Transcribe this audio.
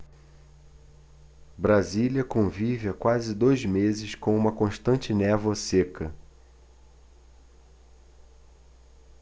brasília convive há quase dois meses com uma constante névoa seca